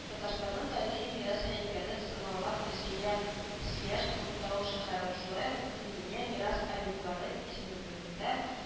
Татарстанның тарихи мирас һәйкәле саналган Зөя - Свияжск утрау-шәһәрен шулай ук Бөтендөнья мирас объектлары исемлегенә